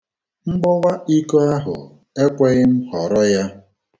Mgbọwa iko ahụ ekweghị m họrọ ya.